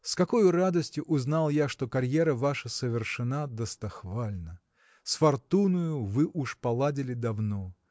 С какою радостью узнал я, что и карьера ваша совершена достохвально с фортуною вы уж поладили давно!